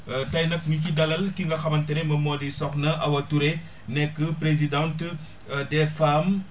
tey nag ñu ciy dalal ki nga xamante ne moom moo di Sokhna Awa Touré nekk présidente des femmes